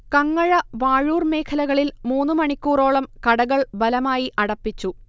കങ്ങഴ, വാഴൂർ മേഖലകളിൽ മൂന്നു മണിക്കൂറോളം കടകൾ ബലമായി അടപ്പിച്ചു